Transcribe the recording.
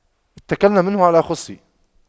اتَّكَلْنا منه على خُصٍّ